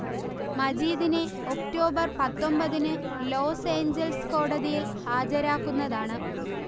മജീദിനെ ഒക്ടോബർ പത്തൊമ്പതിനു Los Angeles കോടതിയിൽ ഹാജരാക്കുന്നതാണ്